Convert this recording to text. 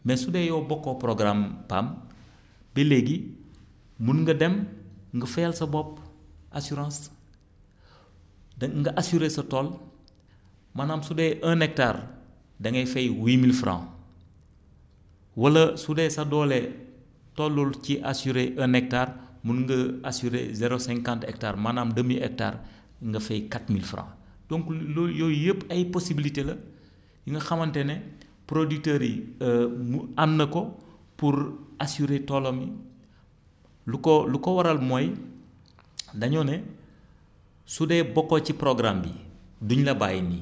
mais su dee yow bokkoo programme mu PAM ba léegi mën nga dem nga fayal sa bopp assurance da nga assuré sa tool maanaam su dee un hectare da ngay fay huit mille franc wala su dee sa doole tollul ci assuré un hectare mën nga assuré 0 50 hectare maanaam demi hectare nga fay quatre mille franc donc loolu yooyu yépp ay possibilités la yi nga xamante ne producteur yi mu am na ko pour assuré toolam wi lu ko waral mooy dañoo ne su dee bokkoo ci programme bi duñu la bàyyi nii